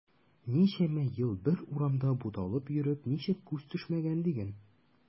Ничәмә ел бер урамда буталып йөреп ничек күз төшмәгән диген.